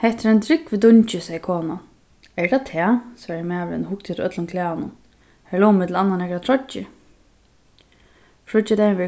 hetta er ein drúgvur dungi segði konan er tað tað svaraði maðurin og hugdi eftir øllum klæðunum har lógu millum annað nakrar troyggjur fríggjadagin verður